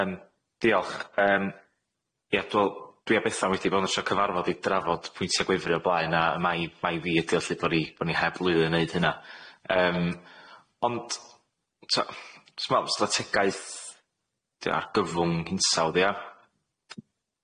Yym diolch yym ie dwi wel dwi a Betha wedi bod yn trio cyfarfod i drafod pwyntia gwefry o blaen a mae mae i fi ydi ollu bo' ni bo' ni heb lwyddo i neud hynna yym ond t'o' t'me'wl strategaeth argyfwng hinsawdd ia?